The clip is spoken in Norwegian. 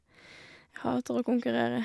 Jeg hater å konkurrere.